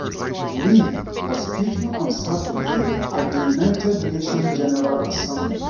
Ri was speaking on Saturday at the United Nations General Assembly.